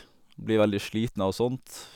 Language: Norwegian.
Blir veldig sliten av sånt.